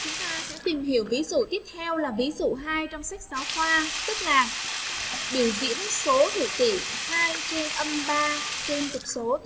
chúng ta sẽ tìm hiểu ví dụ tiếp theo là ví dụ hay trong sách giáo khoa sức làm biểu diễn số hữu tỉ trên trên trục số